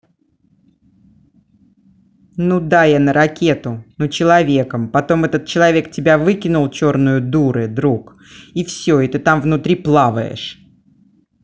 ну да я на ракету ну человеком потом этот человек тебя выкинул черную дуры друг и все и ты там внутри плаваешь